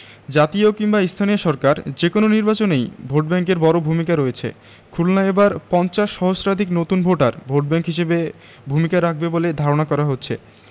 জাতীয় কিংবা স্থানীয় সরকার যেকোনো নির্বাচনেই ভোটব্যাংকের বড় ভূমিকা রয়েছে খুলনায় এবার ৫০ সহস্রাধিক নতুন ভোটার ভোটব্যাংক হিসেবে ভূমিকা রাখবে বলে ধারণা করা হচ্ছে